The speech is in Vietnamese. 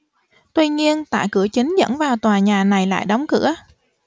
tuy nhiên tại cửa chính dẫn vào tòa nhà này lại đóng cửa